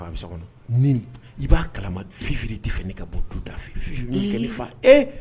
I b'a